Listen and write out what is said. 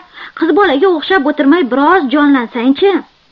qiz bolaga o'xshab o'tirmay bir oz jonlansang chi